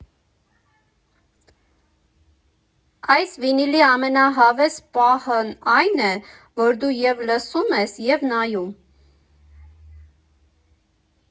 Այս վինիլի ամենահավես պահն այն է, որ դու և՛ լսում ես, և՛ նայում.